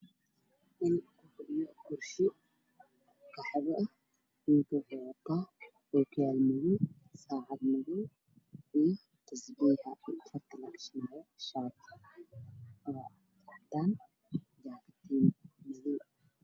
Waa nin kufadhiyo kursi qaxwi ah waxuu wataa ookiyaalo madow ah, saacad madow iyo tusbaxa farta lagashto. Shaati cadaan ah iyo jaakatiin madow ah.